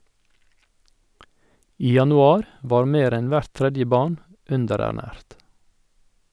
I januar var mer enn hvert tredje barn underernært.